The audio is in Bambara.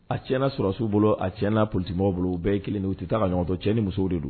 A itɲɛna sɔrɔdasiw bolo a tiɲɛna potitikimɔgɔw bolo u bɛɛ ye kelen de ye u tɛ taa ka ɲɔgɔn to cɛ ni musow de don